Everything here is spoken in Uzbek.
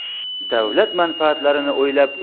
davlat manfaatlarini o'ylab